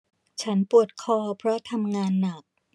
ฉันปวดคอเพราะทำงานหนัก